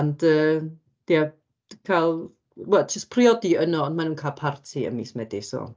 Ond yy ia d- cael wel jyst priodi yno. Ond maen nhw'n cael parti ym mis Medi, so...